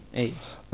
eyyi